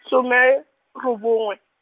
some, robongwe.